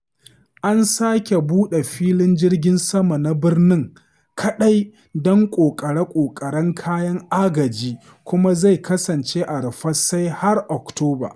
An sake buɗe filin jirgin sama na birnin kaɗai don ƙoƙare-ƙoƙaren kayan agaji kuma zai kasance a rufe sai har Octoba.